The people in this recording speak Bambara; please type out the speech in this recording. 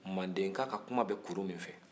manden ka ka kuma bɛ kuru min fɛ